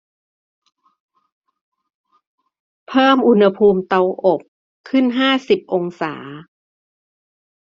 เพิ่มอุณหภูมิเตาอบขึ้นห้าสิบองศา